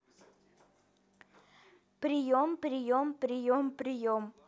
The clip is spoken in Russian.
прием прием прием прием